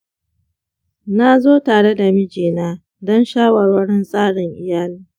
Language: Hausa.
na zo tare da mijina don shawarwarin tsarin iyali.